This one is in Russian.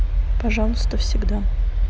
пожалуйста всегда